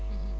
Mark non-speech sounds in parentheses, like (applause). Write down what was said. (hesitation) (hesitation)